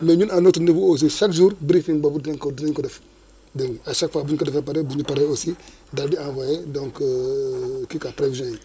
mais ñun à notre niveau aussi chaque jour breafing boobu dinañ ko dinañ ko def dégg nga à chaque fois bu ñu ko defee ba pare bu ñu paree aussi daal di envoyé donc kii quoi prévision yi